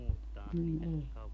mm ei